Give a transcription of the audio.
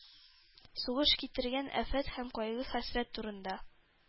Сугыш китергән афәт һәм кайгы-хәсрәт турында